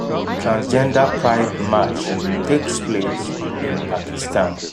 Transgender Pride march takes place in Pakistan